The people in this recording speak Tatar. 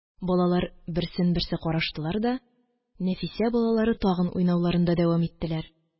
Балалар берсен берсе караштылар да, Нәфисә балалары тагын уйнауларында дәвам иттеләр